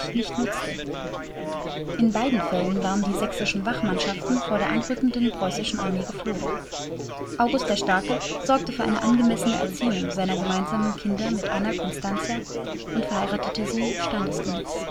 nicht nutzte. In beiden Fällen waren die sächsischen Wachmannschaften von der anrückenden preußischen Armee geflohen. August der Starke sorgte für eine angemessene Erziehung seiner gemeinsamen Kinder mit Anna Constantia und verheiratete sie standesgemäß